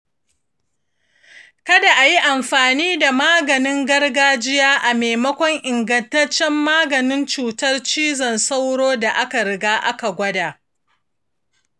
kada a yi amfani da maganin gargajiya a maimakon ingantaccen maganin cutar cizon sauro da aka riga aka gwada.